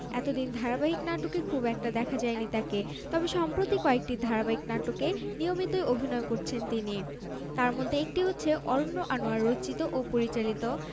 তাদের এই আবিষ্কারের বিস্তারিত ন্যাচার জার্নালে প্রকাশিত হয়েছে শিশুদের এমআরআই কিংবা সিটিস্ক্যান করার প্রয়োজন হলে তারা অনেক সময় প্রচলিত মেশিনের ভেতর একা একা যেতে ভয় পায়